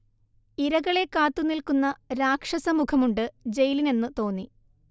ഇരകളെ കാത്തുനിൽക്കുന്ന രാക്ഷസ മുഖമുണ്ട് ജയിലിനെന്ന് തോന്നി